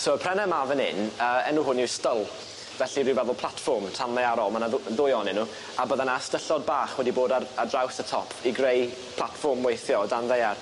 So y pren yma fan hyn yy enw hwn yw styl felly ryw fath o platfform tan ddaearol ma' 'na ddw- ddwy onyn nw a bydda 'na ystyllod bach wedi bod ar ar draws y top i greu platfform weithio o dan ddaear